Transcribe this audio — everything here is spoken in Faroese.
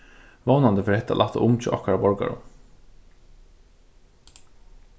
vónandi fer hetta at lætta um hjá okkara borgarum